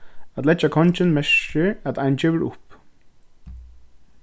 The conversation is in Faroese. at leggja kongin merkir at ein gevur upp